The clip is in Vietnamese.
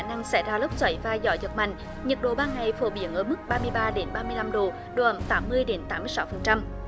năng xảy ra lốc xoáy và gió giật mạnh nhiệt độ ban ngày phổ biến ở mức ba mươi ba đến ba mươi lăm độ độ ẩm tám mươi đến tám sáu phần trăm